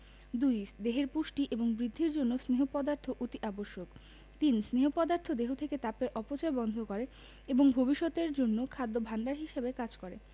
২. দেহের পুষ্টি এবং বৃদ্ধির জন্য স্নেহ পদার্থ অতি আবশ্যক ৩. স্নেহ পদার্থ দেহ থেকে তাপের অপচয় বন্ধ করে এবং ভবিষ্যতের জন্য খাদ্য ভাণ্ডার হিসেবে কাজ করে